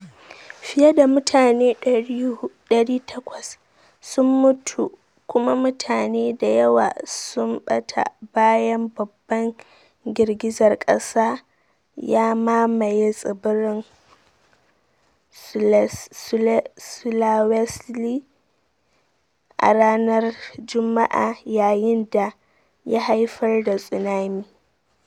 Fiye da mutane 800 sun mutu kuma mutane da yawa sun bata bayan babban girgizar kasa ya mamaye tsibirin Sulawesi a ranar Jumma'a, yayin da ya haifar da tsunami.